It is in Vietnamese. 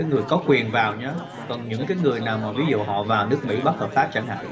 người có quyền vào nhá còn những cái người nào mà ví dụ họ vào nước mỹ bất hợp pháp chẳng hạn